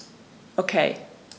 Okay.